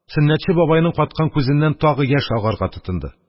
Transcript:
Сөннәтче бабайның каткан күзеннән тагы яшь агарга тотынды.